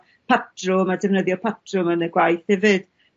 patrwm a defnyddio patrwm yn y gwaith hefyd.